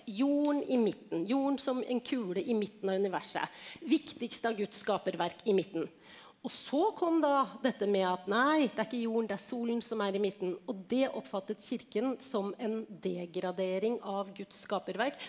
jorden i midten, jorden som en kule i midten av universet, viktigste av guds skaperverk i midten og så kom da dette med at nei det er ikke jorden det er solen som er i midten, og det oppfattet kirken som en degradering av guds skaperverk.